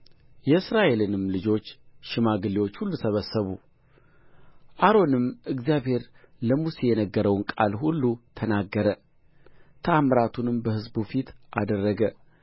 የእስራኤልንም ልጆች ሽማግሌዎች ሁሉ ሰበሰቡ አሮንም እግዚአብሔር ለሙሴ የነገረውን ቃል ሁሉ ተናገረ ተአምራቱንም በሕዝቡ ፊት አደረገ